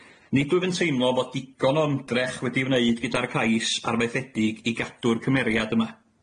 Nid wyf yn teimlo fod digon o ymdrech wedi'i wneud gyda'r cais arfaethedig i gadw'r cymeriad yma.